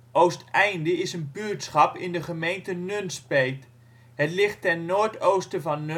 Oosteinde is een buurtschap in de gemeente Nunspeet. Het ligt ten noordoosten van